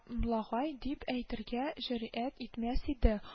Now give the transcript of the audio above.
Млагай дип әйтергә җөрьәт итмәс иде